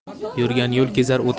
yurgan yo'l kezar